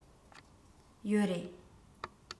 ཡོད རེད